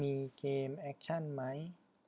มีเกมแอคชั่นไหม